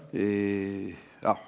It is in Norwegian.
ja.